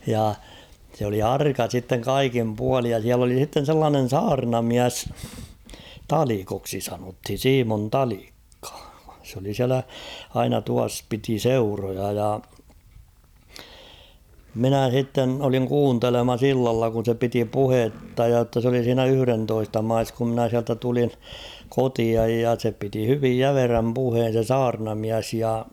ja se oli arka sitten kaikin puolin ja siellä oli sitten sellainen saarnamies Talikoksi sanottiin Simon Talikka se oli siellä aina tuossa piti seuroja ja minä sitten olin kuuntelemassa illalla kun se piti puhetta ja jotta se oli siinä yhdentoista maissa kun minä sieltä tulin kotia ja se piti hyvin jämerän puheen se saarnamies ja